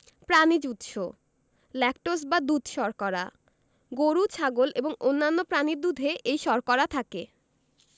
প্রানিজ উৎস ল্যাকটোজ বা দুধ শর্করা গরু ছাগল এবং অন্যান্য প্রাণীর দুধে এই শর্করা থাকে